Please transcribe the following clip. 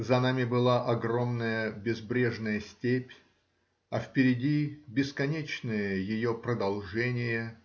за нами была огромная, безбрежная степь, а впереди бесконечное ее продолжение